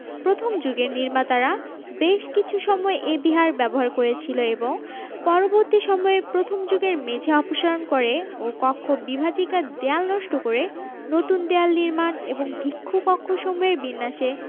প্রথম যুগের নির্মাতারা বেশ কিছু সময় এ বিহার ব্যবহার করেছিল এবং পরবর্তী সময়ে প্রথম যুগের মেঝে অপসারণ করে ও কক্ষ বিভাজিকা দেয়াল নষ্ট করে নুতন দেওয়াল নির্মাণ এবং ভিক্ষু কক্ষসমূহের বিন্যাসে